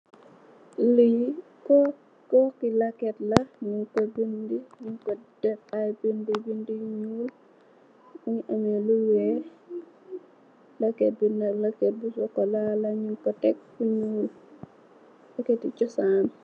Lii corkii lehket la, njung kor bindu njung kor deff aiiy bindu bindu yu njull, mungy ameh lu wekh, lehket bii nak, lehket bii sorkor laleh njung kor tek fu njull, lehketi chosan.